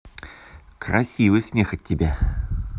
красивый смех от тебя